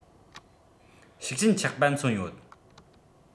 ཤུགས ཆེན ཆག པ མཚོན ཡོད